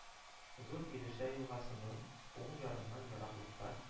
Зур Илеша елгасының уң ярыннан ераклыкта